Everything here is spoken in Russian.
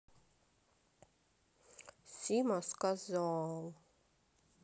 сима сказал